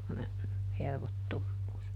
semmoinen hervottomuus